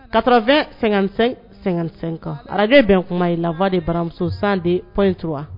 Kasɔrɔfɛn sɛgɛnsɛn kan ara bɛn kuma ye lafa de baramusosan de p intu wa